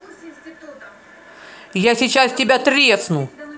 я сейчас тебе тресну